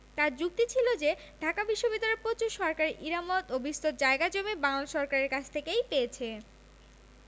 তাঁর যুক্তি ছিল যে ঢাকা বিশ্ববিদ্যালয় প্রচুর সরকারি ইরামত ও বিস্তর জায়গা জমি বাংলা সরকারের কাছ থেকে পেয়েছে